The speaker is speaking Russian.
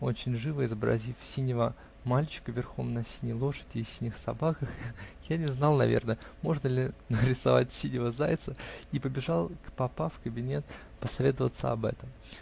Очень живо изобразив синего мальчика верхом на синей лошади и синих собак, я не знал наверное, можно ли нарисовать синего зайца, и побежал к папа в кабинет посоветоваться об этом.